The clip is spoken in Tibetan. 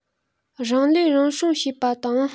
རང ལུས རང སྲུང བྱེད པ དང